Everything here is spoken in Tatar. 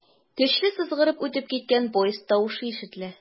Көчле сызгыртып үтеп киткән поезд тавышы ишетелә.